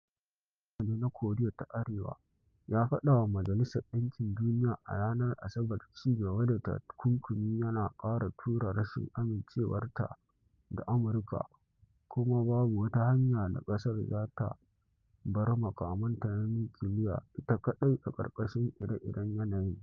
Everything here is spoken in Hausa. Ministan Harkokin Ƙasashen Waje na Koriya ta Arewa ya faɗa wa Majalisar Ɗinkin Duniya a ranar Asabar ci gaba da takunkumi yana ƙara tura rashin amincewarta da Amurka kuma babu wata hanya da ƙasar za ta bar makamanta na nukiliya ita kaɗai a ƙarƙashin ire-iren yanayin.